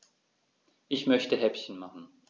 Ich möchte Häppchen machen.